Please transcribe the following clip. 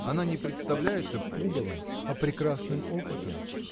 она представляется не пугалом, а прекрасным опытом.